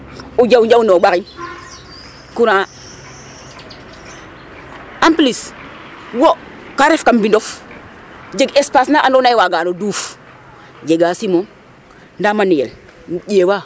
o jaw njaw ne o ɓaxin courant en plus wo ka ref kam mbindof jeg espace na andoona yee waagano duuf jega simon ndaa manuel ƴeewaa.